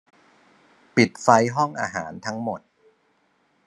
ปิดไฟห้องอาหารทั้งหมด